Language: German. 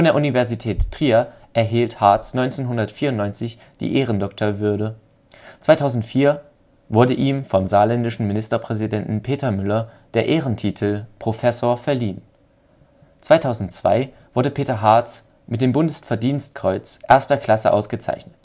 Universität Trier erhielt Hartz 1994 die Ehrendoktorwürde. 2004 wurde ihm vom saarländischen Ministerpräsidenten Peter Müller der Ehrentitel Professor verliehen. 2002 wurde Peter Hartz mit dem Bundesverdienstkreuz erster Klasse ausgezeichnet